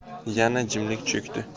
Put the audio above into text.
yana jimlik cho'kdi